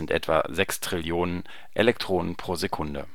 etwa 6 Trillionen) Elektronen pro Sekunde